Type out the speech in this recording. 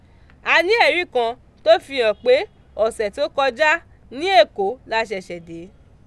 A ní ẹ̀rí kan tó fi hàn pé ọ̀sẹ̀ tó kọjá ní Èkó la ṣẹ̀ṣẹ̀ dé.